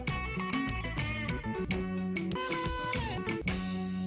Maa kɛ diɲɛ diɲɛ laban